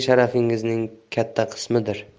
sharafingizning katta qismidir